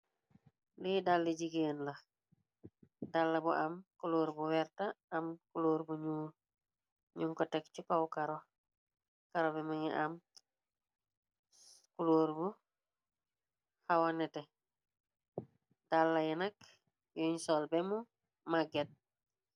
Lii daalli jigéen la, dalla bu am kulóor bu werta, am kulóor bu ñul nyung ko teg ci kow karo bi, mu ngi am kulóor bu xawa nette ,dalla yi nak yuñ sol be mu magget.